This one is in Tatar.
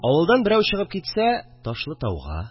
Авылдан берәү чыгып китсә – Ташлытауга